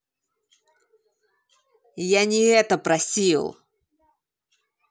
я не это спросил